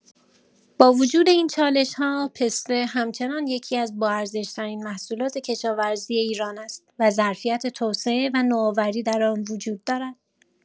با وجود این چالش‌ها، پسته همچنان یکی‌از باارزش‌ترین محصولات کشاورزی ایران است و ظرفیت توسعه و نوآوری در آن وجود دارد.